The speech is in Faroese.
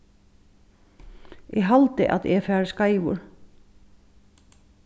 eg haldi at eg fari skeivur